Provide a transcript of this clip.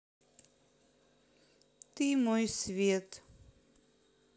ты мой свет